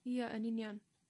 Ia yn union.